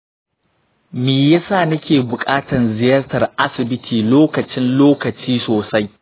me yasa nake buƙatan ziyartar asibiti lokacin lokaci sosai?